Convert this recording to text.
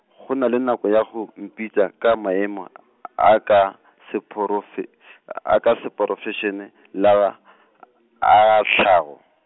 gona le nako ya go mpitša ka maemo , a ka seprofe-, a ka seprofešene la ga , a a tlhago.